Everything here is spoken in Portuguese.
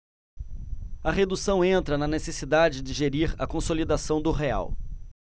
a redução entra na necessidade de gerir a consolidação do real